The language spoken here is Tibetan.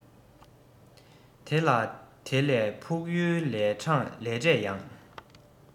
དེ ལ དེ ལས ཕུགས ཡུལ ལས འབྲས ཡང